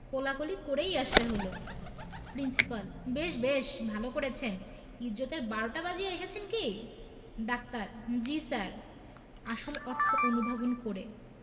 কোলাকুলি করেই আসতে হলো প্রিন্সিপাল বেশ বেশ ভালো করেছেন ইজ্জতের বারোটা বাজিয়ে এসেছেন কি ডাক্তার জ্বী স্যার আসল অর্থ অনুধাবন করে